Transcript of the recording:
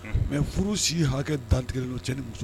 Mɛ furu si hakɛ dantigɛ don cɛ ni muso